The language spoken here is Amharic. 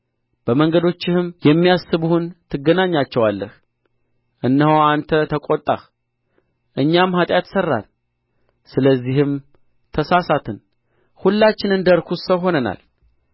በመንገዶችህም የሚያስቡህን ትገናኛቸዋለህ እነሆ እነተ ተቈጣህ እኛም ኃጢአት ሠራን ስለዚህም ተሳሳትን ሁላችን እንደ ርኩስ ሰው ሆነናል